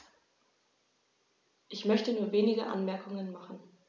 Ich möchte nur wenige Anmerkungen machen.